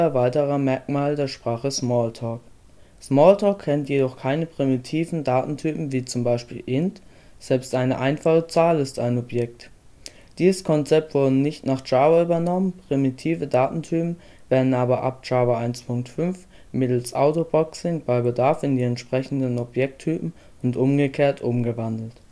weiterer Merkmale der Sprache Smalltalk. Smalltalk kennt jedoch keine primitiven Datentypen wie zum Beispiel int – selbst eine einfache Zahl ist ein Objekt. Dieses Konzept wurde nicht nach Java übernommen, primitive Datentypen werden aber ab Java 1.5 mittels Autoboxing bei Bedarf in die entsprechenden Objekttypen und umgekehrt umgewandelt